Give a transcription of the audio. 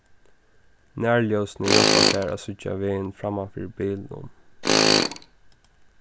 nærljósini hjálpa tær at síggja vegin framman fyri bilinum